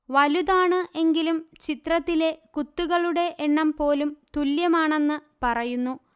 വലുതാണ് എങ്കിലും ചിത്രത്തിലെ കുത്തുകളുടെ എണ്ണം പോലും തുല്യമാണെന്ന്പറയുന്നു